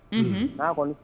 Unhun h kɔni